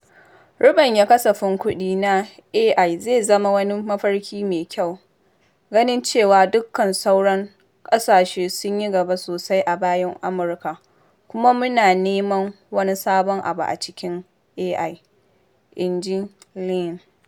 “Ruɓanya kasafin kuɗi na AI zai zama wani mafari mai kyau, ganin cewa dukkan sauran ƙasashe sun yi gaba sosai a bayan Amurka kuma muna neman wani sabon abu a cikin AI,” inji Lee.